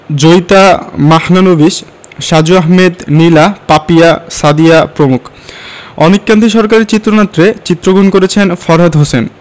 জয়িতা মাহলানোবিশ সাজু আহমেদ নীলা পাপিয়া সাদিয়া প্রমুখ অনিক কান্তি সরকারের চিত্রনাট্যে চিত্রগ্রহণ করেছেন ফরহাদ হোসেন